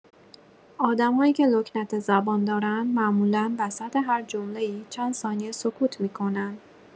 آدم‌هایی که لکنت زبان دارن، معمولا وسط هر جمله‌ای چند ثانیه سکوت می‌کنند